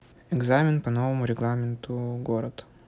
экзамен по новому регламенту город